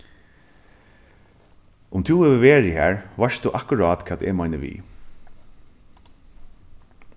um tú hevur verið har veitst tú akkurát hvat eg meini við